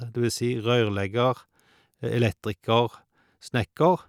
Det vil si rørlegger, elektriker, snekker.